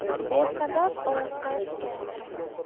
besabab oyoqqa tikan kirmas